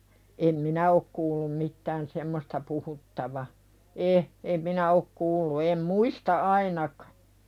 en minä ole kuullut mitään semmoista puhuttavan - en minä ole kuullut en muista ainakaan